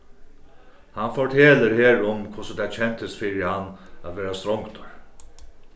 hann fortelur her um hvussu tað kendist fyri hann at vera strongdur